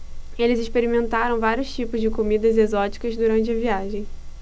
eles experimentaram vários tipos de comidas exóticas durante a viagem